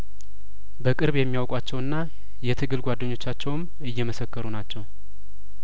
በቅርብ የሚያውቋቸውና የትግል ጓደኞቻቸውም እየመሰከሩ ናቸው